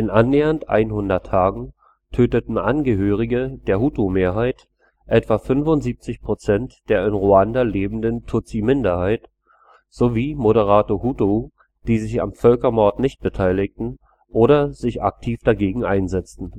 annähernd 100 Tagen töteten Angehörige der Hutu-Mehrheit etwa 75 Prozent der in Ruanda lebenden Tutsi-Minderheit sowie moderate Hutu, die sich am Völkermord nicht beteiligten oder sich aktiv dagegen einsetzten